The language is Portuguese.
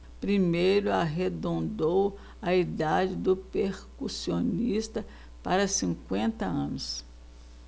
primeiro arredondou a idade do percussionista para cinquenta anos